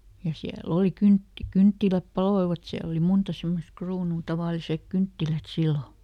ja siellä oli - kynttilät paloivat siellä oli monta semmoista kruunua tavalliset kynttilät silloin